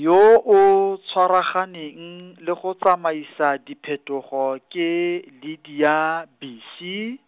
yo o tshwaraganeng le go tsamaisa diphetogo ke Lydia Bici.